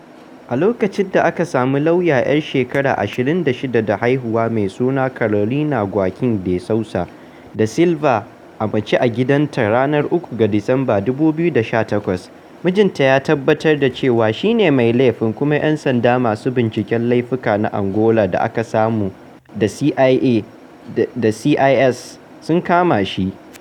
A lokacin da aka sami lauya 'yar shekaru 26 da haihuwa mai suna Carolina Joaquim de Sousa da Silva a mace a gidanta ranar 3 ga Disamba 2018, mijinta ya tabbatar da cewa shi ne mai laifin kuma 'yan sanda masu binciken laifuka na Angola da aka sani da SIC sun kama shi.